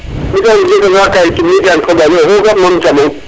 mi de im jega nga cahier im wida koɓale oxu ga ma im damong